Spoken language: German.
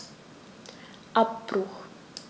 Abbruch.